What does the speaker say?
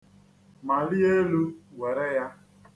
Malie elu were ya.